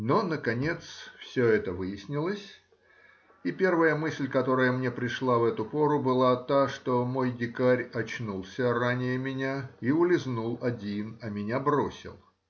Но, наконец, все это выяснилось, и первая мысль, которая мне пришла в эту пору, была та, что мой дикарь очнулся ранее меня и улизнул один, а меня бросил.